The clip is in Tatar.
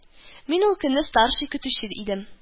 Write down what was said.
Мин ул көнне старший көтүче идем